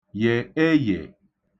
yè eyè